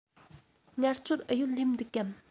ངལ རྩོལ ཨུ ཡོན སླེབས འདུག གམ